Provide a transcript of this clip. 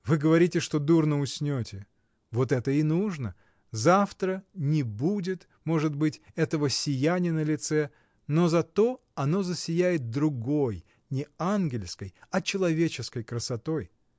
Вы говорите, что дурно уснете, — вот это и нужно: завтра не будет, может быть, этого сияния на лице, но зато оно засияет другой, не ангельской, а человеческой красотой.